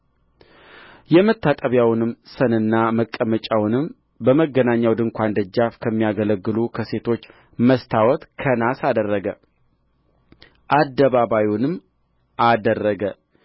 የመታጠቢያውን ሰንና መቀመጫውንም በመገናኛው ድንኳን ደጃፍ ከሚያገለግሉ ከሴቶች መስተዋት ከናስ አደረገ አደባባዩንም አደረገ